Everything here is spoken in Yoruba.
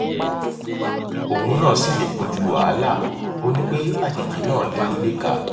Òun náà sì lè kojúu wàhálà, onípè àjèjì náà léríléka.